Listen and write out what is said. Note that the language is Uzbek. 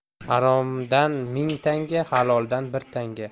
haromdan ming tanga haloldan bir tanga